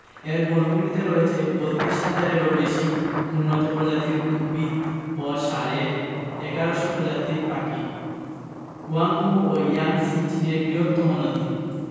এর বনভূমিতে রয়েছে ৩২ হাজারেরও বেশি উন্নত প্রজাতির উদ্ভিত ও সাড়ে ১১শ প্রজাতির পাখি হোয়াংহো ও ইয়াংসি চীনের বৃহত্তম নদী